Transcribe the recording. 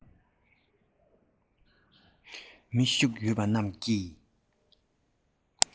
མི ཤུགས ཡོད པ རྣམས ཀྱིས